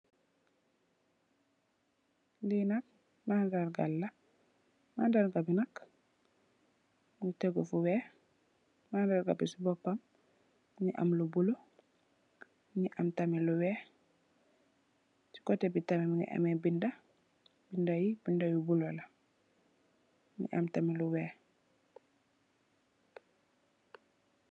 Lii nak mandargala, mandarga bi nak, mingi tegu fu weex. Mandarga bi si bopam, mingi am lu bulo, mungi am tamit lu weex. Ci cotebi tamit mingi ame binda, bindayi , binda yu bulo la. Mungi am tamit lu weex.